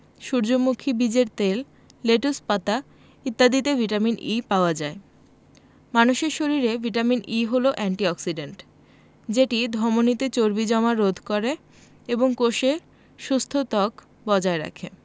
সূর্যমুখী বীজের তেল লেটুস পাতা ইত্যাদিতে ভিটামিন E পাওয়া যায় মানুষের শরীরে ভিটামিন E হলো এন্টি অক্সিডেন্ট যেটি ধমনিতে চর্বি জমা রোধ করে এবং কোষে সুস্থ ত্বক বজায় রাখে